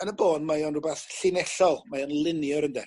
yn y bôn mae o'n rwbath llinellol mae o'n linear ynde?